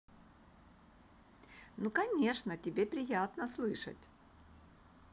ну конечно тебе приятно слышать